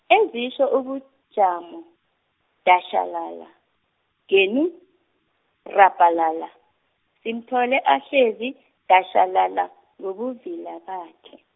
ezitjho ubujamo, datjhalala, genu, rabhalala, simthole ahlezi, datjhalala ngobuvila bakhe.